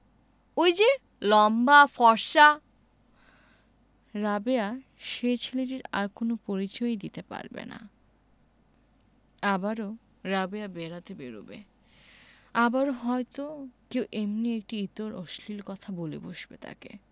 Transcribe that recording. ঐ যে লম্বা ফর্সা রাবেয়া সেই ছেলেটির আর কোন পরিচয়ই দিতে পারবে না আবারও রাবেয়া বেড়াতে বেরুবে আবারো হয়তো কেউ এমনি একটি ইতর অশ্লীল কথা বলে বসবে তাকে